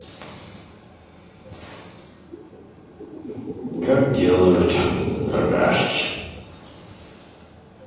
как делают какашки